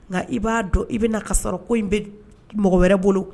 Nka i b'a dɔn i bɛna ka sɔrɔ ko in bɛ mɔgɔ wɛrɛ bolo